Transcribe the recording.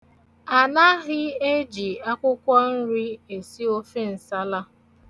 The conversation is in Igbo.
A naghị eji akwụkwọnri esi ofe nsala.